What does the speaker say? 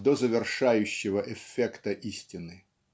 до завершающего эффекта истины.